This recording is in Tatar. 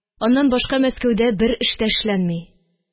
Аннан башка Мәскәүдә бер эш тә эшләнелми